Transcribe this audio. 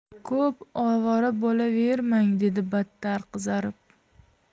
ko'p ovora bo'lavermang dedi battar qizarib